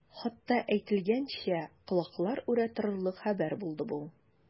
Хатта әйтелгәнчә, колаклар үрә торырлык хәбәр булды бу.